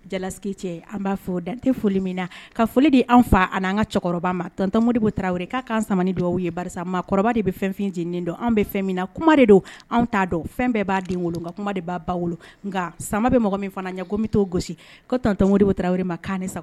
Jalasi cɛ an b'a fɔ date foli min na ka foli de an fa ani'an ka cɛkɔrɔba ma tɔntɔnmo deko tarawele k'aan sama dugawu aw ye mɔgɔkɔrɔba de bɛ fɛnfin ci nin don anw bɛ fɛn min na kuma de don anw t'a dɔn fɛn bɛɛ b'a den nka kuma de b'a ba bolo nka sama bɛ mɔgɔ min fana ɲɛ n bɛ t'o gosi ko tɔntɔnmo de bɛ tarawele ma' ne sago